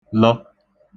lə̣